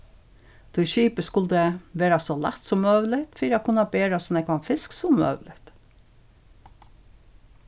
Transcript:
tí skipið skuldi vera so lætt sum møguligt fyri at kunna bera so nógvan fisk sum møguligt